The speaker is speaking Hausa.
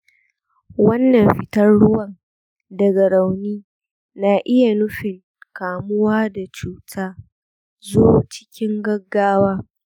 wannan fitar ruwan daga rauni na iya nufin kamuwa da cuta; zo cikin gaggawa.